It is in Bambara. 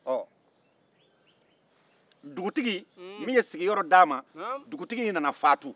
ɔ dugutigi min ye sigiyɔrɔ di a ma dugutigi in nana faatu